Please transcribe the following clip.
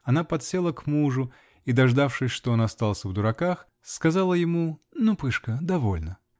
Она подсела к мужу и, дождавшись, что он остался в дураках, сказала ему: "Ну, пышка довольно!